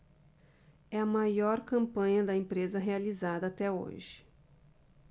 é a maior campanha da empresa realizada até hoje